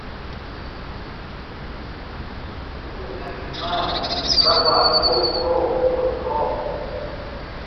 เมื่ออายุมากระวังพวกโรคปวดข้อ